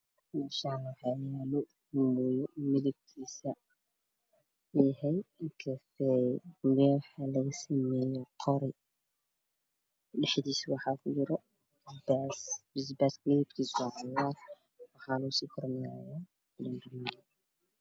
Meeshaan waxaa yaalo mooneeye midabkiisa uu yahay kafee waxaa laga sameeyay qori dhexdiisa waxaa ku jira basbaas midabkiisa waa cagaar waxaa korka laga mariyay liin dhanaan.